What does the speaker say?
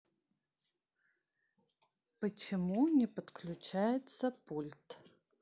почему не подключается пульт